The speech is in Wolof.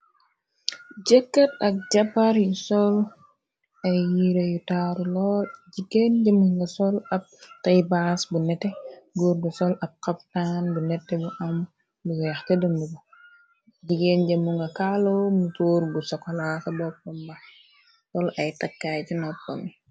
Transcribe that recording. jëkkat ak jàpar yu sol ay yire yu taaru lool jigeen jëmu nga sol ab tay baas bu nete guur gu sol ab xaptaan bu nette bu am lu weex ce dëndu ko jiggeen jëmu nga kaaloo mu tour gu sakola sa boppa mbax sol ay takkaay ci nopto mi